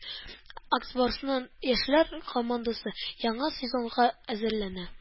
“ак барс”ның яшьләр командасы яңа сезонга әзерләнә